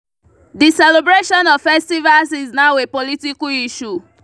The celebration of festivals is now a political issue.